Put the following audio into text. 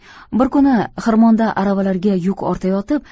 bir kuni xirmonda aravalarga yuk ortayotib